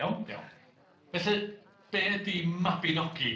Iawn?... Iawn... Felly, be ydi 'Mabinogi'?